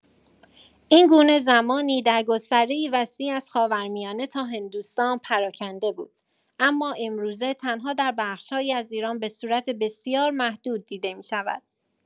این گونه زمانی در گستره‌ای وسیع از خاورمیانه تا هندوستان پراکنده بود، اما امروزه تنها در بخش‌هایی از ایران به‌صورت بسیار محدود دیده می‌شود.